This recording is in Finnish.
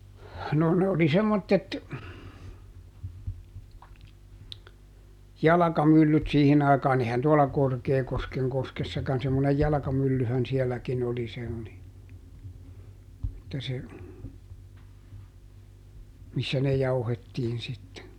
no ne oli semmoiset jalkamyllyt siihen aikaan eihän tuolla Korkeakosken koskessakaan semmoinen jalkamyllyhän sielläkin oli se oli että se missä ne jauhettiin sitten